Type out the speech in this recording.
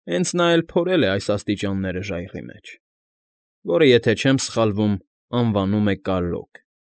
Հենց նա էլ փորել է այս աստիճանները ժայռի մեջ, որը եթե չեմ սխալվում, անվանվում է Կարրոկ։